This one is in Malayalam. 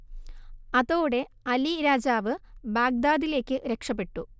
അതോടെ അലി രാജാവ് ബാഗ്ദാദിലേക്ക് രക്ഷപെട്ടു